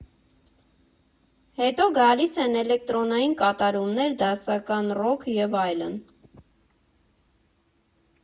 Հետո գալիս են էլեկտրոնային կատարումներ, դասական ռոք և այլն։